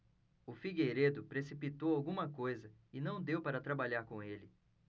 o figueiredo precipitou alguma coisa e não deu para trabalhar com ele